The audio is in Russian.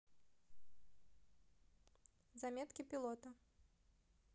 заметки пилота